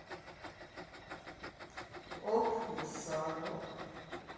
оп мусорок